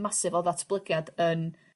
masif o ddatblygiad yn